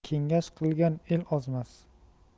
kengash qilgan el ozmas